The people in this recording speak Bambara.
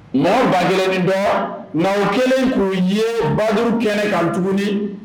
Mɔgɔ 1000ni kɔ, mais u kɛlen k'o ye badri kɛnɛ